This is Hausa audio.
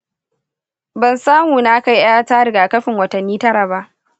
ban samu na kai yata rigakafin watannni tara ba.